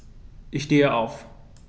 Ich stehe auf.